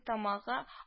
Тамагы